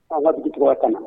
An ka dugu tɔgɔ ye Fana.